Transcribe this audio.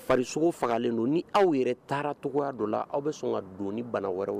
Faso fagalen don ni aw yɛrɛ taaracogoya dɔ la aw bɛ sɔn ka don ni bana wɛrɛ